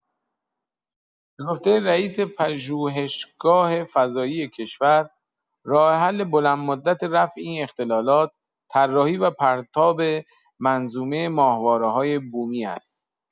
به گفته رئیس پژوهشگاه فضایی کشور، راه‌حل بلندمدت رفع این اختلالات، طراحی و پرتاب منظومه ماهواره‌های بومی است.